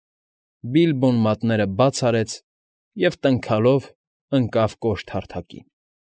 Բիլբոն մատները բաց արեց և տնքալով ընկավ կոշտ հարթակին։